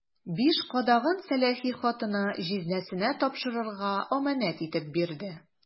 Биш кадагын сәләхи хатыны җизнәсенә тапшырырга әманәт итеп бирде.